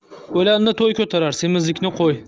o'lanni to'y ko'tarar semizlikni qo'y